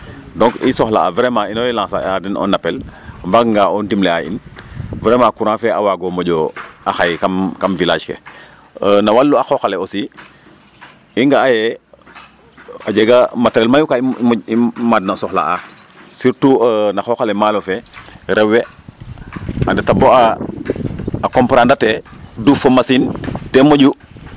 Donc i soxla'a vraiment ino we lancé a den un appel a mbaaganga o ndimle a in vraiment courant fe a waago moƴo a xay kam village ke no walum a qooq ale aussi i nga'a ye a jega matériel mayu ka andoona yee i maadna soxla'aa sutout e% na qooq ale maalo fe rew we a ndeta bo a comprendre atee duuf fo machine ten moƴu .